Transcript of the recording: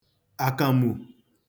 àkàmù